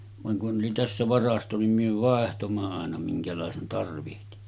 vaan kun oli tässä varasto niin me vaihdoimme aina minkälaisen tarvitsi